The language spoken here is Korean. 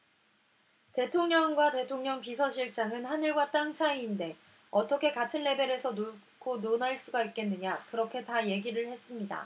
대통령과 대통령 비서실장은 하늘과 땅 차이인데 어떻게 같은 레벨에서 놓고 논할 수가 있겠느냐 그렇게 다 얘기를 했습니다